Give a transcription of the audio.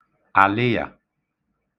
àlịyà